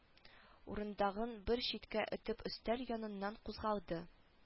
Урындыгын бер читкә этеп өстәл яныннан кузгалды